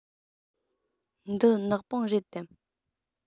འདི ནག པང རེད དམ